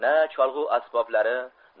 na cholg'u asboblari